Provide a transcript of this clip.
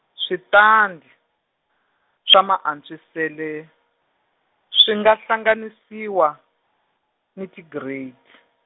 switandi, swa Maantswisele, swi nga hlanganisiwa, ni tigiredi.